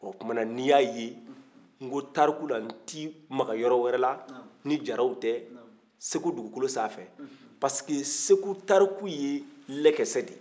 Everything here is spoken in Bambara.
ɔ o tuma na n'i y'a ye n ko tariku la n tɛ maga yɔrɔ wɛrɛ la ni jaraw tɛ segu dugukolo sanfɛ parce que segu tariku ye lɛkɛsɛ ye